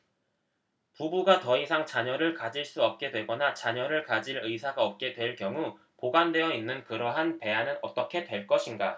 부부가 더 이상 자녀를 가질 수 없게 되거나 자녀를 가질 의사가 없게 될 경우 보관되어 있는 그러한 배아는 어떻게 될 것인가